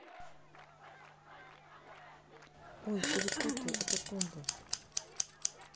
ой перепутай это тумбы